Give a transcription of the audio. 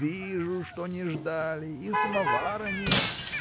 вижу, что не ждали: и самовара нет!